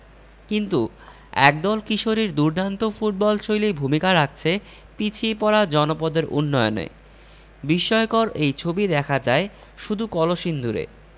কিন্তু একদল কিশোরীর দুর্দান্ত ফুটবলশৈলী ভূমিকা রাখছে পিছিয়ে পড়া জনপদের উন্নয়নে বিস্ময়কর এই ছবি দেখা যায় শুধু কলসিন্দুরে